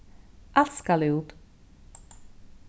alt skal út